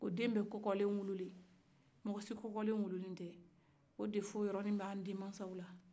ko den bɛ kokolen wololen mɔgɔsi kokolen ma wolo o yɔrɔ nin ba denbaw la